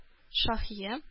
Шаһия